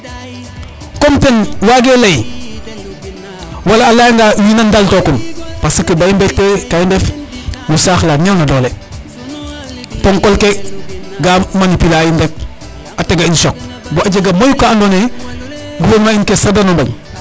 comme ten wage ley wala a leya nga wina ndal tokum parce que o i mbece ga i ndef no sax la neew na dole pnkal ke ga manipuler a in rek a tega in choc bo a jega mayu ka ando naye gouvernement in ke sandirano mbañ